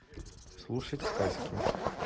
слушать сказки